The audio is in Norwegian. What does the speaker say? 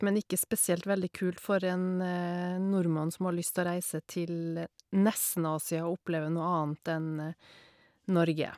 Men ikke spesielt veldig kult for en nordmann som har lyst å reise til nesten-Asia og oppleve noe annet enn Norge.